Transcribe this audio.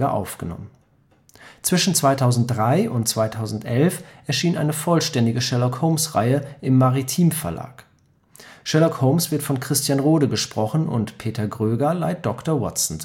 aufgenommen. Zwischen 2003 und 2011 erschien eine vollständige Sherlock-Holmes-Reihe im maritim-Verlag. Sherlock Holmes wird von Christian Rode gesprochen und Peter Groeger leiht Dr. Watson